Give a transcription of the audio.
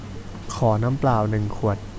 ขอน้ำเปล่าหนึ่งขวด